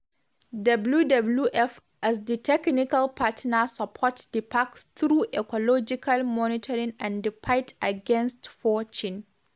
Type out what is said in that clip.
WWF as the technical partner supports the park through ecological monitoring and the fight against poaching.